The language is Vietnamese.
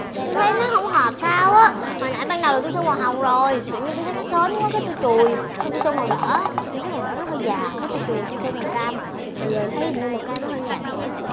tôi thấy nó không hợp sao á hồi nãy ban đầu là tôi sơn màu hồng rồi tự nhiên tôi thấy nó sến quá cái tôi chùi xong tôi sơn màu đỏ tôi thấy màu đỏ nó hơi già cái tôi chùi tôi sơn màu cam rồi giờ thấy hình như màu cam nó hơi nhạt đúng không